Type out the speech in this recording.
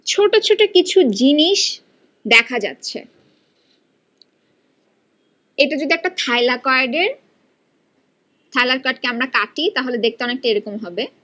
ছোট ছোট কিছু জিনিস দেখা যাচ্ছে এটা যদি একটা থাইলাকয়েড এর থাইলাকয়েড কে আমরা কাটি তাহলে দেখতে অনেকটা এরকম হবে